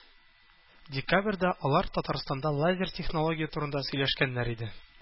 Декабрьдә алар Татарстанда лазер технология турында сөйләшкәннәр иде.